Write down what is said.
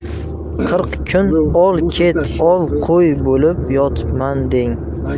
qirq kun ol ket ol qo'y bo'lib yotibman deng